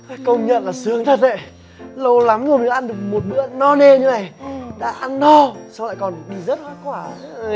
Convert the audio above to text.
công nhận là sướng thật ấy lâu lắm rồi mới được ăn no thế này đã ăn no xong lại còn đì giớt hoa quả